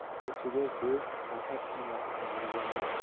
ovchiga go'sht qahat emas o'g'riga mol